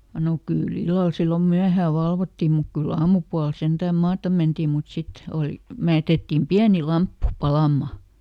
no kyllä illalla silloin myöhään valvottiin mutta kyllä aamupuolella sentään maata mentiin mutta sitten oli - jätettiin pieni lamppu palamaan